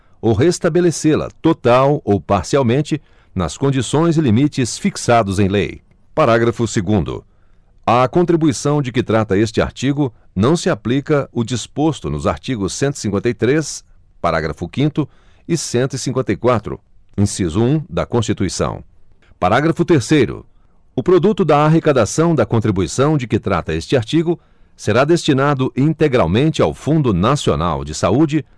ou restabelecê la total ou parcialmente nas condições e limites fixados em lei parágrafo segundo a contribuição de que trata este artigo não se aplica o disposto nos artigos cento e cinquenta e três parágrafo quinto e cento e cinquenta e quatro inciso um da constituição parágrafo terceiro o produto da arrecadação da contribuição de que trata este artigo será destinado integralmente ao fundo nacional de saúde